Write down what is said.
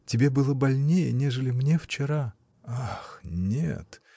Тебе было больнее, нежели мне вчера. — Ах нет!